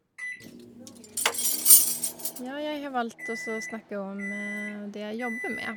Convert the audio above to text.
Ja, jeg har valgt å så snakke om det jeg jobber med.